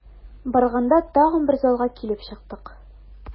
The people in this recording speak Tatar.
Барганда тагын бер залга килеп чыктык.